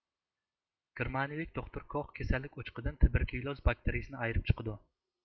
گېرمانىيىلىك دوختۇر كوخ كېسەللىك ئوچىقىدىن تۇبېركۇليۇز باكتىرىيىسىنى ئايرىپ چىقىدۇ